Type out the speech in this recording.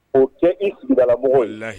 O kɛ i sigidalamɔgɔw walahi